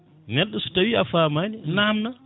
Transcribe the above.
neɗɗo so tawi a famani namno